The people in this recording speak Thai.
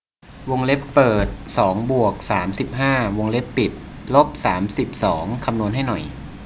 วงเล็บเปิดสองบวกสามสิบห้าวงเล็บปิดลบสามสิบสองคำนวณให้หน่อย